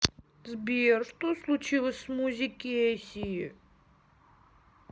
сбер что случилось с музей кейси